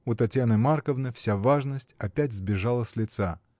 У Татьяны Марковны вся важность опять сбежала с лица.